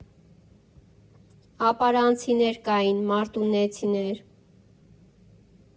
Ապարանցիներ կային, մարտունեցիներ։